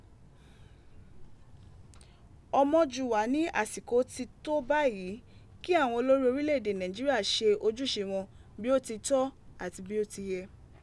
Ọmọjuwa ni asiko ti to bayi ki awọn olori orile ede Naijiria se ojuse wọn bo ti se to ati bo ti se ye.